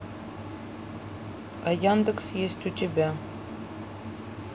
а яндекс есть у тебя